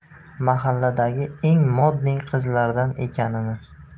mahalladagi eng modniy qizlardan ekanini